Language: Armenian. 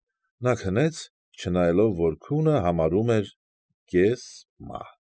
Նա քնեց, չնայելով, որ քունը համարյա «կես մահ է»…